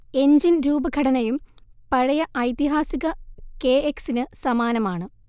engine രൂപഘടനയും പഴയ ഐതിഹാസിക കെഎക്സിന് സമാനമാണ്